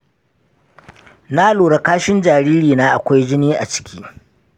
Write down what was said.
na lura kashin jaririna akwai jini a ciki.